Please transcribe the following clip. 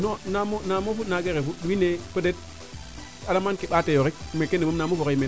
non naa moofu naga refu wiin we peut etre alamane ke mbaate yo rek mais keene moom na mofu oxey meen